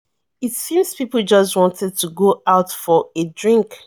It seems people just wanted to go out for a drink.